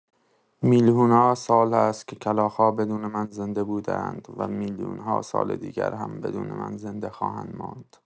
میلیون‌ها سال است که کلاغ‌ها بدون من زنده بوده‌اند و میلیون‌ها سال دیگر هم بدون من زنده خواهند ماند.